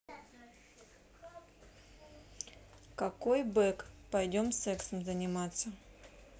какой back пойдем сексом заниматься